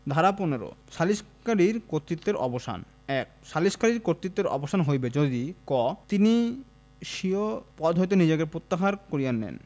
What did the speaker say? ধারা ১৫ সালিসকারীর কর্তৃত্বের অবসানঃ ১ সালিসকারীর কর্তৃত্বের অবসান হইবে যদি ক তিনি স্বীয় পদ হইতে নিজেকে প্রত্যাহার করিয়া নেন